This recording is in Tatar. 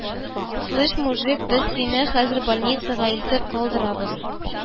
- слышь, мужик, без сине хәзер больницага илтеп калдырабыз